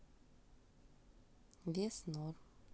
вес норм